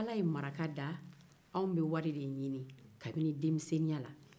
ala ye maraka da anw bɛ wari de ɲinin kabini denmisɛnniya la